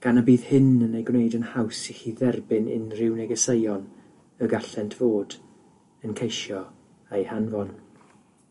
gan y bydd hyn yn ei gwneud yn haws i chi dderbyn unrhyw negeseuon y gallent fod yn ceisio eu hanfon.